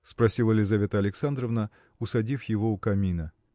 – спросила Лизавета Александровна, усадив его у камина.